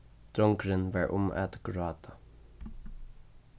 drongurin var um at gráta